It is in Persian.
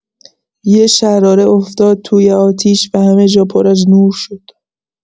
یه شراره افتاد توی آتیش و همه جا پر از نور شد.